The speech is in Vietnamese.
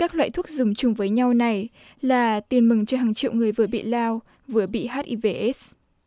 các loại thuốc dùng chung với nhau này là tiền mừng cho hàng triệu người vừa bị lao vừa bị hát i vê ết